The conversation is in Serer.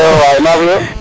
iyo waay nafio